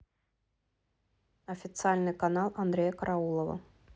официальный канал андрея караулова